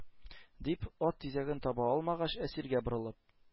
- дип, ат тизәген таба алмагач, әсиргә борылып,